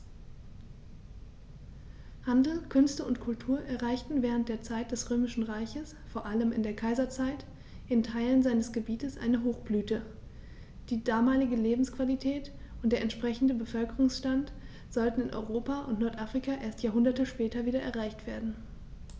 Handel, Künste und Kultur erreichten während der Zeit des Römischen Reiches, vor allem in der Kaiserzeit, in Teilen seines Gebietes eine Hochblüte, die damalige Lebensqualität und der entsprechende Bevölkerungsstand sollten in Europa und Nordafrika erst Jahrhunderte später wieder erreicht werden.